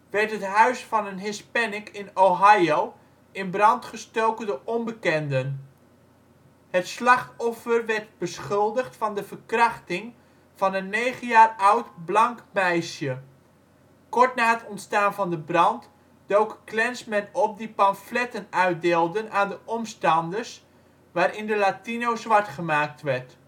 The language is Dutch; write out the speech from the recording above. werd het huis van een hispanic in Ohio in brand gestoken door onbekenden. Het slachtoffer werd beschuldigd van de verkrachting van een negen jaar oud blank meisje. Kort na het ontstaan van de brand, doken Klansmen op die pamfletten uitdeelden aan de omstanders waarin de latino zwartgemaakt werd